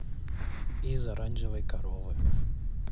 из оранжевой коровы